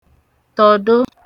tọ̀do